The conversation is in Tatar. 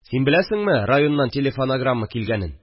Син беләсеңме районнан телефонограмма килгәнен